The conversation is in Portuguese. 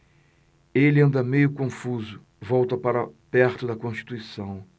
ele ainda meio confuso volta para perto de constituição